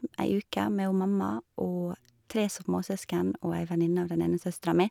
m Ei uke, med hun mamma og tre småsøsken og ei venninne av den ene søstera mi.